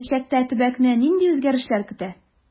Киләчәктә төбәкне нинди үзгәрешләр көтә?